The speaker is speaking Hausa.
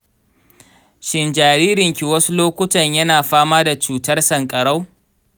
shin jaririnki wasu lokutan yana fama da cutar sankarau?